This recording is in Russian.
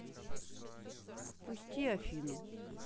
впусти афину